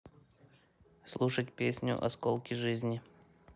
слушать песню осколки жизни